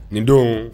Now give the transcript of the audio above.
Nin don